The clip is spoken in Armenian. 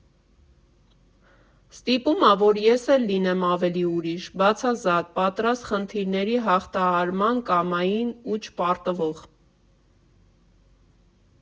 Ստիպում ա, որ ես էլ լինեմ ավելի ուրիշ, բացազատ, պատրաստ խնդիրների հաղթահարման, կամային ու չպարտվող։